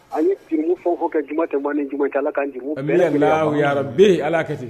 A fɛnw fɔ kɛ j tɛ ni' ala ka' ala ten